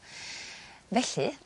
Felly